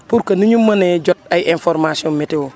pour que nu ñu mënee jot ay informations météo